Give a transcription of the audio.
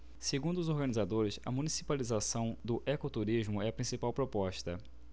segundo os organizadores a municipalização do ecoturismo é a principal proposta